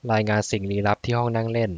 รายงานสิ่งลี้ลับที่ห้องนั่งเล่น